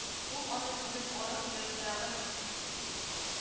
Ул аны бүген арык янындагы